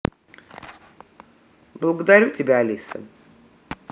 благодарю тебя алиса